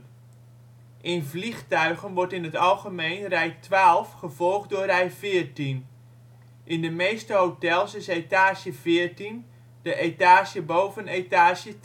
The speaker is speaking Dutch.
In vliegtuigen wordt in het algemeen rij twaalf gevolgd door rij veertien. In de meeste hotels is etage veertien de etage boven etage